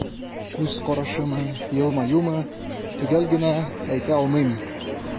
Күз карашымы, елмаюмы – төгәл генә әйтә алмыйм.